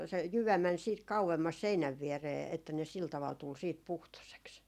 se jyvä meni sitten kauemmas seinän viereen että ne sillä tavalla tuli sitten puhtoiseksi